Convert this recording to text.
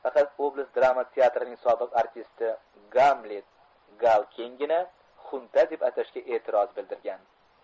faqat oblast drama teatrining sobiq artisti gamlet galkingina xunta deb atashga e'tiroz bildirgan